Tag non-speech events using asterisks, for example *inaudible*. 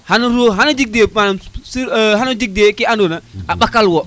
xano ro xana jeg de manaam sur *hesitation* xano jeg de ke ando na a ɓakal wo